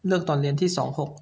เลือกตอนเรียนที่สองหก